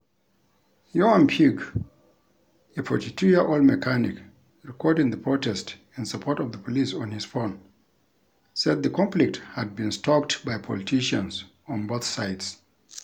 Joan Puig, a 42-year-old mechanic recording the protest in support of the police on his phone, said the conflict had been stoked by politicians on both sides.